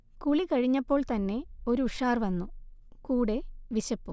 കുളി കഴിഞ്ഞപ്പോൾത്തന്നെ ഒരു ഉഷാർ വന്നു കൂടെ വിശപ്പും